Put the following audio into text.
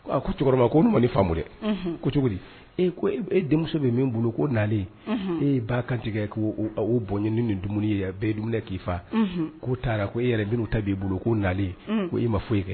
A ko cɛkɔrɔba ko ne ma ni faamu dɛ ko cogo e ko e denmuso bɛ min bolo ko nalen e ba kantigɛ' bɔn ye ni ni dumuni ye bɛɛ ye dum k'i faa k'u taara ko e yɛrɛ minnu u ta b'i bolo ko nalen ko e ma foyi ye kɛ